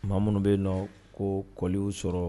Maa minnu bɛ yen nɔ ko kɔliw sɔrɔ